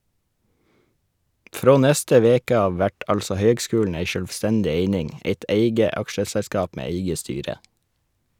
Frå neste veke av vert altså høgskulen ei sjølvstendig eining , eit eige aksjeselskap med eige styre.